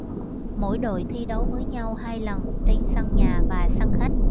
mỗi đội thi đấu với nhau hai lần trên sân nhà và sân khách